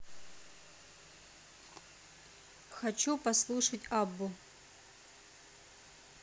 хочу послушать аббу